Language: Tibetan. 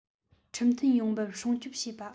ཁྲིམས མཐུན ཡོང འབབ སྲུང སྐྱོང བྱེད པ